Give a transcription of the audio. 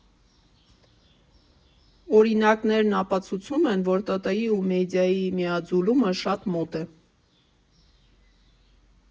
Օրինակներն ապացուցում են, որ ՏՏ֊ի ու մեդիայի միաձուլումը շատ մոտ է։